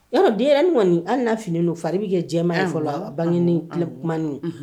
Yan den kɔni hali' fini don fa i bɛ kɛ jɛma fɔlɔ bangekuma